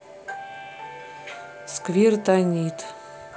сквиртонит